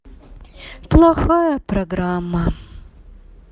плохая программа